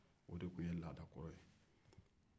o de tun ye laada kɔrɔ ye